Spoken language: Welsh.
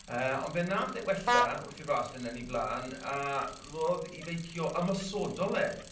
Yy on' fe nath e wella wrth i'r ras myn' yn 'i flan a rodd 'i feicio ymosodol e